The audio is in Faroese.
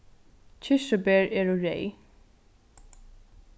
kirsuber eru reyð